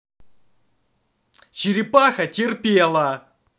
черепаха терпела